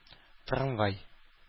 Трамвай